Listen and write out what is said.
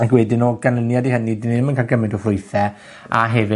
ag wedyn o ganlyniad i hynny 'dyn ni ddim yn ga'l gymaint o ffrwythe, a hefyd